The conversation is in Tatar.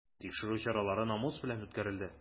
Тикшерү чаралары намус белән үткәрелде.